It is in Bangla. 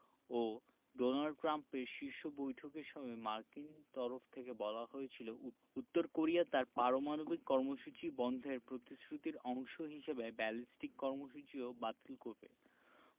ও ডোনাল্ড ট্রাম্পের শীর্ষ বৈঠকের সময় মার্কিন তরফ থেকে বলা হয়েছিল উ উত্তর কোরিয়া তার পারমাণবিক কর্মসূচি বন্ধের প্রতিশ্রুতির অংশ হিসেবে ব্যালিস্টিক কর্মসূচিও বাতিল করবে